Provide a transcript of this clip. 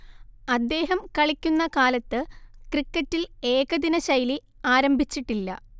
അദ്ദേഹം കളിക്കുന്ന കാലത്ത് ക്രിക്കറ്റിൽ ഏകദിനശൈലി ആരംഭിച്ചിട്ടില്ല